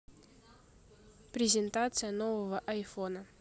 презентация нового айфона